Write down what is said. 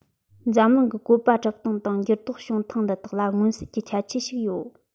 འཛམ གླིང གི བཀོད པ གྲུབ སྟངས དང འགྱུར ལྡོག བྱུང ཐེངས འདི དག ལ མངོན གསལ གྱི ཁྱད ཆོས ཤིག ཡོད